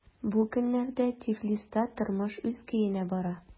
Бу көннәрдә Тифлиста тормыш үз көенә бара.